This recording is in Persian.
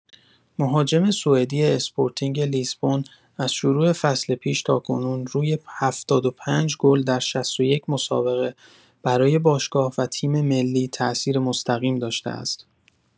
مهاجم سوئدی اسپورتینگ لیسبون از شروع فصل پیش تاکنون روی ۷۵ گل در ۶۱ مسابقه برای باشگاه و تیم‌ملی تاثیر مستقیم داشته است.